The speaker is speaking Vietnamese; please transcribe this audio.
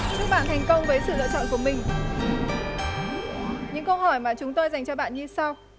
chúc bạn thành công với sự lựa chọn của mình những câu hỏi mà chúng tôi dành cho bạn như sau